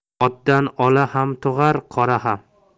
otdan ola ham tug'ar qora ham